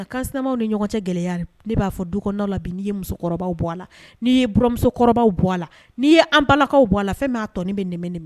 Ma ni ɲɔgɔn cɛ gɛlɛya ne b'a fɔ du la'i ye musokɔrɔba a la n' ye musokɔrɔba bɔ a la n'i ye an balakaw bɔ a la fɛn m'a n bɛ nin